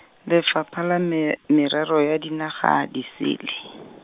Lefapha la Me- Merero ya Dinaga di Sele.